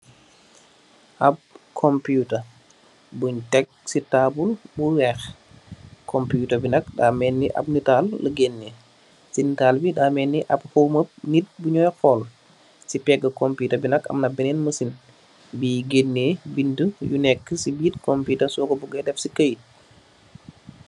Ap kompiita buñ tek ci tabull bu wèèx. Kompiita bi nak da melni ap nital la gèneh, si nital bi da melni ap hóm map nit bu ñoy xool. Si pegga kompiita bi nak am na benen masin bi gèneh bindi yu nekka ci biir kompiita soko bugéé def ci kayit.